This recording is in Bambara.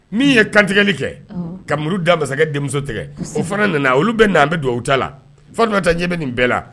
Min ye kantigɛli kɛ ka muru dan masakɛ denmuso tigɛ o fana nana olu bɛɛ na an bɛ dugawu u ta la fɔ dɔ ta ɲɛ bɛ nin bɛɛ la